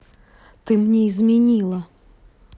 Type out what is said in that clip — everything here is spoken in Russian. ты мне изменила